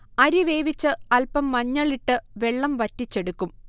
അരി വേവിച്ച് അൽപം മഞ്ഞളിട്ട് വെള്ളം വറ്റിച്ചെടുക്കും